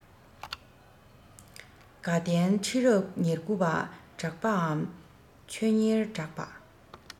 དགའ ལྡན ཁྲི རབས ཉེར དགུ པ གྲགས པའམ ཆོས གཉེར གྲགས པ